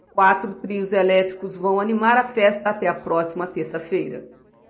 quatro trios elétricos vão animar a festa até a próxima terça-feira